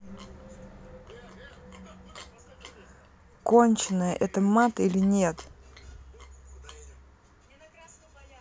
конченая это мат или нет